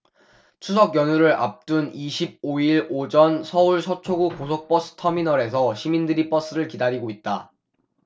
추석연휴를 앞둔 이십 오 일 오전 서울 서초구 고속버스터미널에서 시민들이 버스를 기다리고 있다